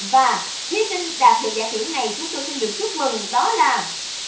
và thí sinh đạt được giải thưởng này chúng tôi xin được chúc mừng đó là